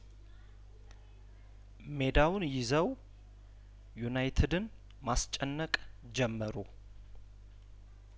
ሜዳውን ይዘው ዩናይትድን ማስጨነቅ ጀመሩ